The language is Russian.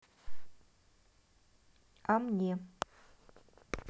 а мне